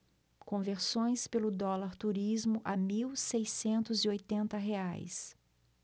conversões pelo dólar turismo a mil seiscentos e oitenta reais